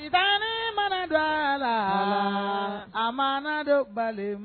Sitanɛ mana don a laa. Aann. A mana don balima